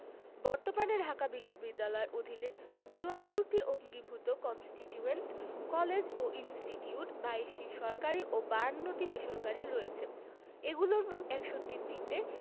তবে বর্তমানে ঢাকা বিশ্ববিদ্যালয়ের অধীনে ৭৪টি অঙ্গীভুত কন্সটিটিউয়েন্ট কলেজ ও ইনস্টিটিউট ২২টি সরকারি ও ৫২টি বেসরকারি রয়েছে এগুলোর মধ্যে ৬১টিতে